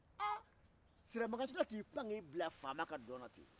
aa siramakan sinna k'i bila faama ka dɔn na ten